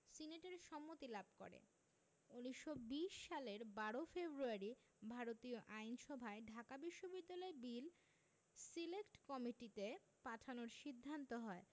সিনেটের সম্মতি লাভ করে ১৯২০ সালের ১২ ফেব্রুয়ারি ভারতীয় আইনসভায় ঢাকা বিশ্ববিদ্যালয় বিল সিলেক্ট কমিটিতে পাঠানোর সিদ্ধান্ত হয়